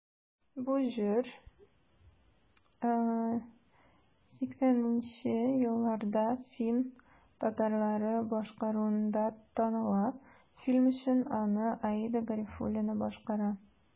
Бу җыр 90 нчы елларда фин татарлары башкаруында таныла, фильм өчен аны Аида Гарифуллина башкара.